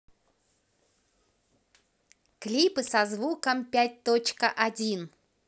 клипы со звуком пять точка один